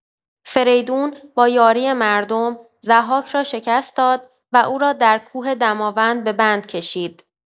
فریدون با یاری مردم، ضحاک را شکست داد و او را در کوه دماوند به بند کشید.